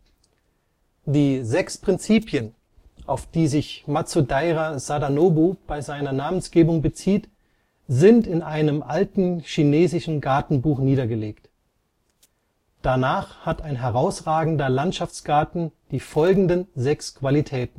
Die " Sechs Prinzipien ", auf die sich Matsudaira Sadanobu bei seiner Namensgebung bezieht, sind in einem alten chinesischen Gartenbuch niedergelegt. Danach hat ein herausragender Landschaftsgarten folgenden sechs Qualitäten